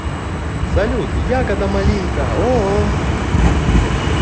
салют ягода малинка оо